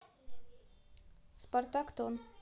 спартак тон